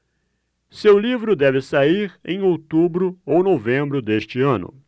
seu livro deve sair em outubro ou novembro deste ano